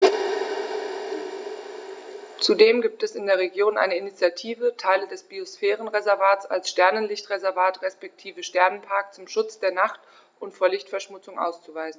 Zudem gibt es in der Region eine Initiative, Teile des Biosphärenreservats als Sternenlicht-Reservat respektive Sternenpark zum Schutz der Nacht und vor Lichtverschmutzung auszuweisen.